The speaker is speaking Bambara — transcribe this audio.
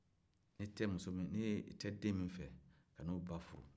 n'i tɛ den min fɛ ka n'o ba furu